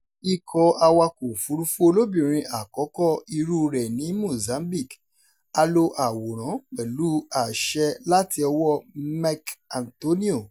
Ikọ̀ awakọ̀ òfuurufú olóbìnrin àkọ́kọ́ irúu rẹ̀ ní Mozambique | A lo àwòrán pẹ̀lú àṣẹ láti ọwọ́ Meck Antonio.